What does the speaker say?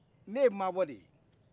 ne ye mabɔ de ye